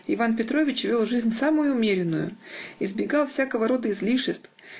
Иван Петрович вел жизнь самую умеренную, избегал всякого рода излишеств